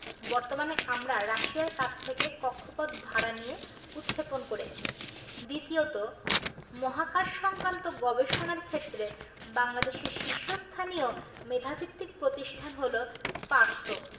বর্তমানে আমরা রাশিয়ার কাছ থেকে কক্ষপথ ভাড়া নিয়ে উৎক্ষেপণ করেছি দ্বিতীয়ত মহাকাশসংক্রান্ত গবেষণার ক্ষেত্রে বাংলাদেশের শীর্ষস্থানীয় মেধাভিত্তিক প্রতিষ্ঠান হলো স্পারসো